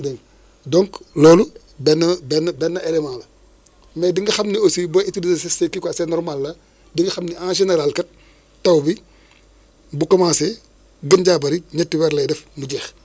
dégg nga donc loolu benn benn benn benn élément la mais di nga xam ne aussi booy utiliser c' est kii quoi c' est normal la di nga xam ne en général kat taw bi bu commencé gën jaa bëri ñetti weer lay def mu jeex